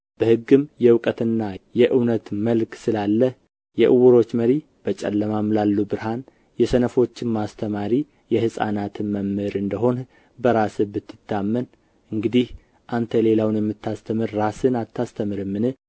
በሕግም የእውቀትና የእውነት መልክ ስላለህ የዕውሮች መሪ በጨለማም ላሉ ብርሃን የሰነፎችም አስተማሪ የሕፃናትም መምህር እንደ ሆንህ በራስህ ብትታመን እንግዲህ አንተ ሌላውን የምታስተምር ራስህን አታስተምርምን